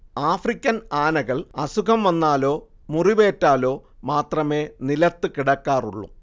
African ആനകൾ അസുഖം വന്നാലോ മുറിവേറ്റാലോ മാത്രമേ നിലത്ത് കിടക്കാറുള്ളൂ